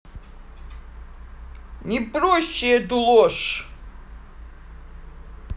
не проще эту ложь